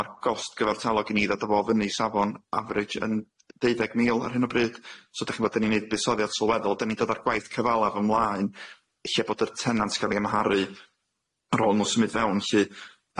ma'r gost gyfartalog i ni ddod a fo fyny i safon average yn deuddeg mil ar hyn o bryd, so dach ch'mo' dyn ni'n neud buddsoddiad sylweddol dyn ni'n dodd ar gwaith cyfalaf ymlaen, lle bod yr tenant ga'l i ymharu ar ôl n'w symud fewn lly.